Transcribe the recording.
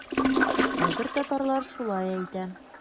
Кайбер татарлар шулай әйтә.